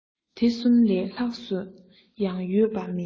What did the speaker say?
དེ གསུམ ལས ལྷག སུ ཡང ཡོད པ མིན